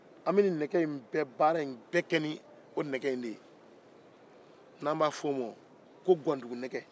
an bɛ nin nɛgɛ in baara bɛɛ kɛ o nɛgɛ de ye n'a b'a fɔ a ma ko gɔndugunɛgɛ